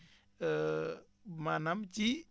maanaam ci